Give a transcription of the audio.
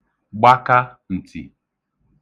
gbaka ǹtì